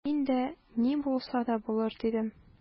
Мин дә: «Ни булса да булыр»,— дидем.